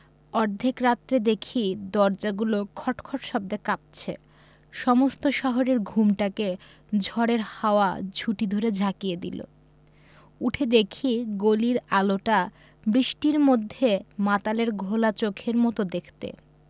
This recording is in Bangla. অর্ধেক রাত্রে দেখি দরজাগুলো খটখট শব্দে কাঁপছে সমস্ত শহরের ঘুমটাকে ঝড়ের হাওয়া ঝুঁটি ধরে ঝাঁকিয়ে দিল উঠে দেখি গলির আলোটা বৃষ্টির মধ্যে মাতালের ঘোলা চোখের মত দেখতে